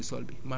dafay intervenir